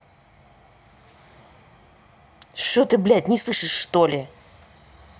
что ты блядь не слышишь что ли